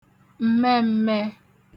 m̀mẹmmẹ